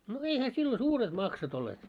no eihän silloin suuret maksut olleet